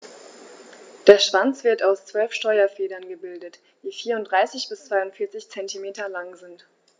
Der Schwanz wird aus 12 Steuerfedern gebildet, die 34 bis 42 cm lang sind.